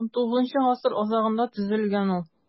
XIX гасыр азагында төзелгән ул.